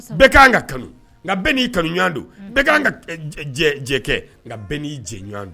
Bɛɛ ka kan ka kanu nka n'i kanu ɲɔgɔn don bɛɛ ka jɛ kɛ nka n'i jɛ ɲɔgɔn don